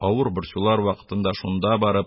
Авыр борчулар вакытында шунда барып,